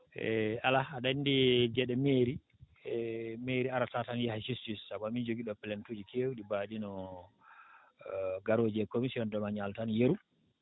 e alaa aɗa anndi geɗe mairie e mairie arata tan yaha justice sabu amin jogi ɗoo pleinte uuji keewɗi mbaaɗi no garooji e commission dominial tan yeru